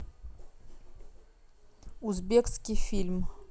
узбекский фильм